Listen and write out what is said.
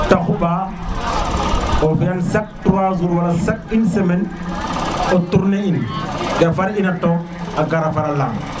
te xumba o fiyan chaque 3 jours wala une semaine te tourne in ke far ina took a gara fara lang